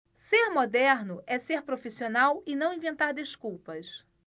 ser moderno é ser profissional e não inventar desculpas